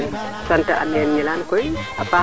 i im fog na ɗingale Gnilane Ndour a adwan na